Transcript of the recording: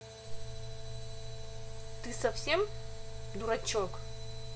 ты че совсем дурачок